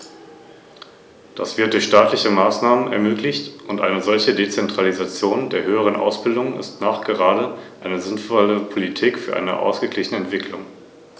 Zu den Worten von Herrn Swoboda über die Tätigkeit des CEN möchte ich sagen, dass wir sie drängen, ihre Arbeit maximal zu beschleunigen, denn es wäre dramatisch, wenn wir trotz der neuen Frist nach etwas mehr als einem Jahr vor den gleichen Schwierigkeiten stehen würden, weil die Arbeiten nicht zum Abschluss gebracht wurden.